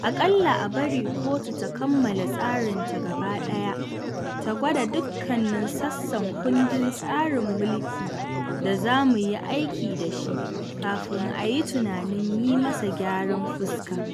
a ƙalla a bari kotu ta kammala tsarinta gaba ɗaya, ta gwada dukkanin sassan kundin tsarin mulki da za mu yi aiki da shi, kafin a yi tunanin yi masa gyaran fuska.